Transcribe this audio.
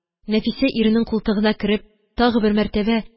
Нәфисә, иренең култыгына кереп, тагы бер мәртәбә: